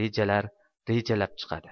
rejalar rejalab chiqadi